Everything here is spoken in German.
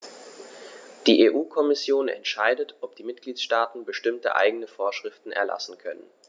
Die EU-Kommission entscheidet, ob die Mitgliedstaaten bestimmte eigene Vorschriften erlassen können.